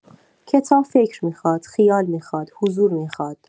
کتاب فکر می‌خواد، خیال می‌خواد، حضور می‌خواد.